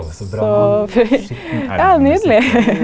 å så bra namn Skittenelv musikkorps.